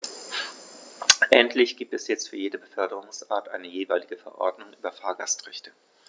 Endlich gibt es jetzt für jede Beförderungsart eine jeweilige Verordnung über Fahrgastrechte.